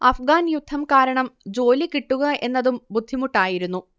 അഫ്ഗാൻ യുദ്ധം കാരണം ജോലി കിട്ടുക എന്നതും ബുദ്ധിമുട്ടായിരുന്നു